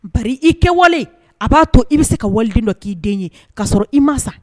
Bari i kɛwale a b'a to i bɛ se ka waliden dɔ k'i den ye k'a sɔrɔ i ma sa